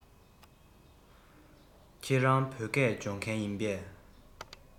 ཁྱེད རང བོད སྐད སྦྱོང མཁན ཡིན པས